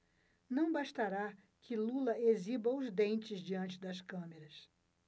não bastará que lula exiba os dentes diante das câmeras